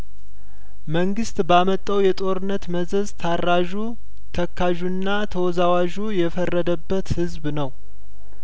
መንግስት ባመጣው የጦርነት መዘዝ ታራዡ ተካዡና ተወዛዋዡ የፈረደበት ህዝብ ነው